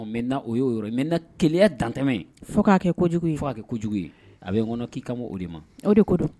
Maintenant o ye o ye, maintenant na keleya dan tɛmɛ fo k'a kɛ jugu ye , a bɛ n kɔnɔ k'i kan bɛ o de ma de ko don